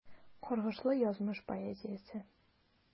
Каргышлы язмыш поэзиясе.